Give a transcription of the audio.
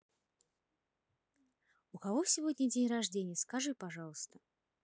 у кого сегодня день рождения скажи пожалуйста